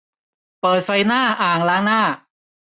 เปิดไฟหน้าอ่างล้างหน้า